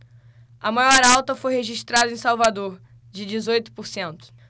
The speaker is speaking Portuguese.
a maior alta foi registrada em salvador de dezoito por cento